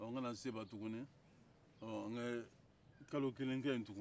n ka na seba tugunni n ka kalo kelen kɛ yen tugun